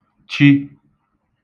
-chi